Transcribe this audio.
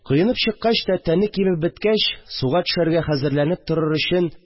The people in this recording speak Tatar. Коенып чыккач та, тәне кибеп беткәч суга төшәргә хәзерләнеп торыр өчен